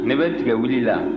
ne bɛ tigɛwuli la